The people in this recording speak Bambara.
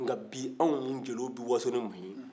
nka bi anw ni jeliw bɛ waso nin mun ye